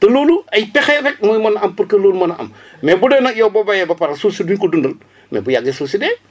te loolu ay pexe rek moo mën a am pour que loolu mën a am mais bu dee nag yow boo béyee ba pare suuf si duñ ko dungal mais bu yàggee suuf si dee